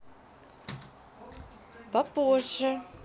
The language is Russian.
попозже